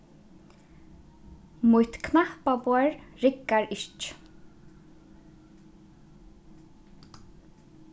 mítt knappaborð riggar ikki